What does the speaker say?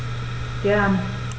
Gern.